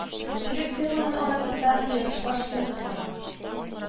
Сөтчелек фермалары арасында Сыерышбаш фермасы